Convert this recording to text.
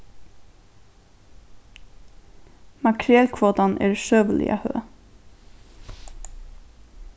makrelkvotan er søguliga høg